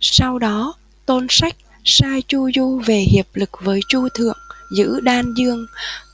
sau đó tôn sách sai chu du về hiệp lực với chu thượng giữ đan dương